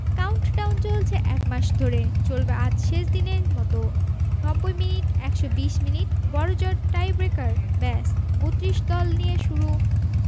countdown চলছে এক মাস ধরে চলবে আজ শেষ দিনের মতো ৯০ মিনিট ১২০ মিনিট বড়জোর টাইব্রেকার ব্যস ৩২ দল নিয়ে শুরু